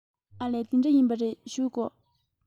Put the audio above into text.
ཨ ལས དེ འདྲ ཡིན པ རེད བཞུགས དགོ